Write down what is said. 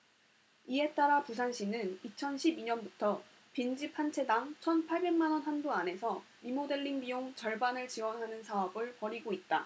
이에 따라 부산시는 이천 십 이 년부터 빈집 한 채당 천 팔백 만원 한도 안에서 리모델링 비용 절반을 지원하는 사업을 벌이고 있다